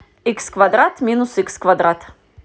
икс квадрат минус икс квадрат